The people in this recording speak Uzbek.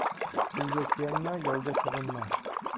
suvga suyanma yovga sig'inma